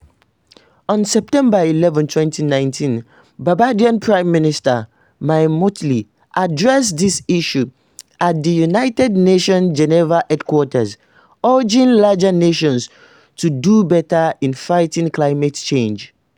On September 11, 2019, Barbadian Prime Minister Mia Mottley addressed this issue at the United Nations’ Geneva headquarters, urging larger nations to do better in fighting climate change.